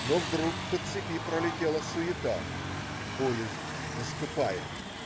Но вдруг по цепи пролетела суета. Поезд наступает!